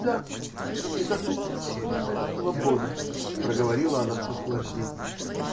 -- Да. И за то -- полная свобода, -- проговорила она с наслаждением.